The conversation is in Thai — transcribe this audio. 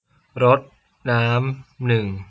รดน้ำหนึ่ง